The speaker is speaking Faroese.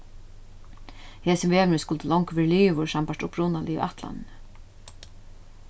hesin vegurin skuldi longu verið liðugur sambært upprunaligu ætlanini